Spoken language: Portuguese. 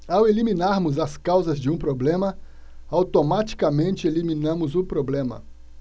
ao eliminarmos as causas de um problema automaticamente eliminamos o problema